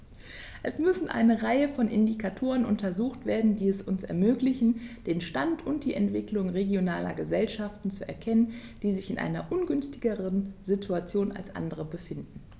Es müssen eine Reihe von Indikatoren untersucht werden, die es uns ermöglichen, den Stand und die Entwicklung regionaler Gesellschaften zu erkennen, die sich in einer ungünstigeren Situation als andere befinden.